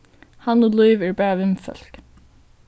hann og lív eru bara vinfólk